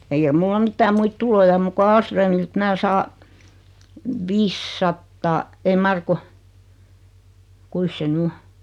eikä minulla mitään muita tuloja ole muuta kuin Ahlströmiltä minä saan viisisataa ei mar kun kuinkas se nyt on